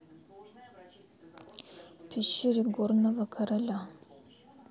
в пещере горного короля